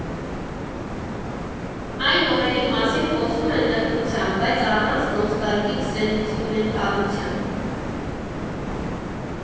Այն օրերի մասին խոսում է նրբությամբ, բայց առանց նոստալգիկ սենտիմենտալության.